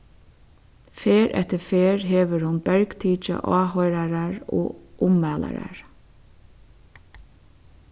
ferð eftir ferð hevur hon bergtikið áhoyrarar og ummælarar